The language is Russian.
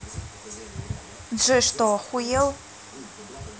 джой что охуел